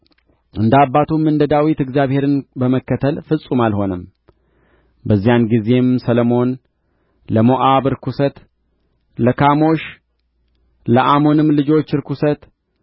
እንደ አባቱም እንደ ዳዊት እግዚአብሔርን በመከተል ፍጹም አልሆነም በዚያን ጊዜም ሰሎሞን ለሞዓብ ርኵሰት ለካሞሽ ለአሞንም ልጆች ርኵሰት